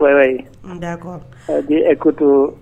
Wɛyi wɛyi. Un d'accord . écouter .